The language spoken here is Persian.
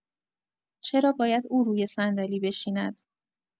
چرا باید او روی صندلی بشیند؟